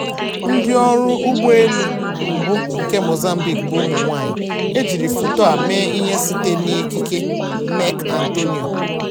Ndịọrụ ụgbọelu mbụ nke Mozambique bụ ụmụnwaanyị | E jiri foto a mee ihe site n'ikike Meck Antonio.